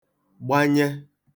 gbanye